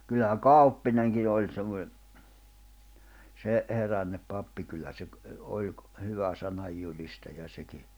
kyllähän Kauppinenkin oli semmoinen se herännyt pappi kyllä se - oli - hyvä sananjulistaja sekin